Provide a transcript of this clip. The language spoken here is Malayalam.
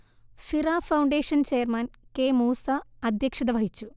Hira foundation chairman K Moosa അധ്യക്ഷത വഹിച്ചു